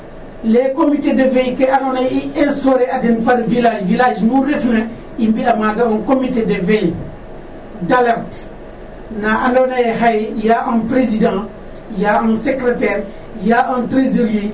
Les comités de veille ke andoona yee i intaurer a den par village village nu refna i mbi'aa maaga un comité de veille d' alerte na andoona yee xaye ya un president y' a un secretaire y a un tresorier